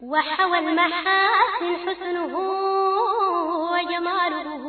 Wa wakumadudugu